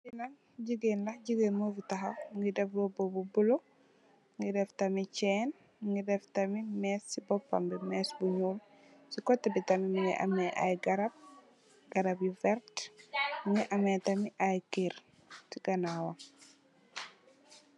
Li nak jigeen la jigeen mo fii taxaw, mugii def bópa bu bula, mugii dèf tamid cèèn, mugii dèf tamid més si bópam bi més bu ñuul. Si koteh bi tamit mugii ameh ay garap garap yu werta, mugii ameh tamit ay kèr si ganaw wam.